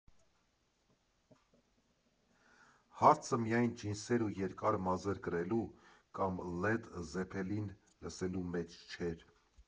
Հարցը միայն ջինսեր ու երկար մազեր կրելու, կամ Լեդ Զեփելին լսելու մեջ չէր։